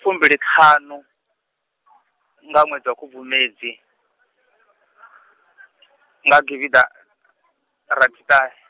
fumbiliṱhanu, nga ṅwedzi wa Khubvumedzi , nga gidiḓarathiṱahe.